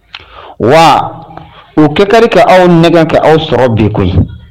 Wa u kɛ kadi ka aw nɛgɛ ka aw sɔrɔ de koyi.